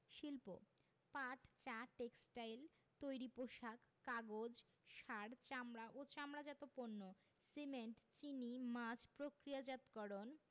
শিল্পঃ পাট চা টেক্সটাইল তৈরি পোশাক কাগজ সার চামড়া ও চামড়াজাত পণ্য সিমেন্ট চিনি মাছ প্রক্রিয়াজাতকরণ